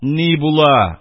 Ни була?